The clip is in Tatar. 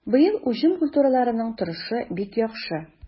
Быел уҗым культураларының торышы бик яхшы.